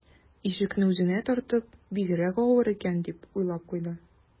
Ишекне үзенә тартып: «Бигрәк авыр икән...», - дип уйлап куйды